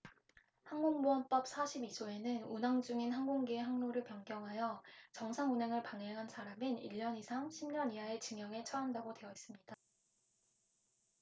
항공보안법 사십 이 조에는 운항중인 항공기의 항로를 변경하여 정상 운항을 방해한 사람은 일 년 이상 십 년 이하의 징역에 처한다고 되어 있습니다